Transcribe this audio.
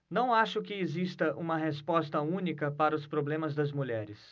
não acho que exista uma resposta única para os problemas das mulheres